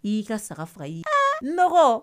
I y'i ka saga faga, i , ee nɔgɔ!